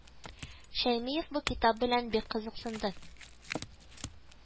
Шәймиев бу китап белән бик кызыксынды